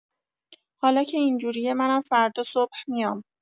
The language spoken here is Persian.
حالا که اینجوریه منم فردا صبح میام.